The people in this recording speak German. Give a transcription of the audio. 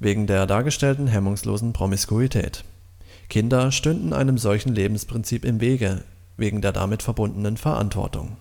wegen der dargestellten hemmungslosen Promiskuität. Kinder stünden einem solchen Lebensprinzip im Wege, wegen der damit verbundenen Verantwortung